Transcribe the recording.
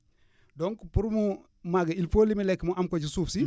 donc pour mu màgg il faut li muy lekk mu am ko ci suuf si